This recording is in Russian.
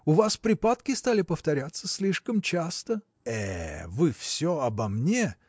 У вас припадки стали повторяться слишком часто. – Э! вы все обо мне!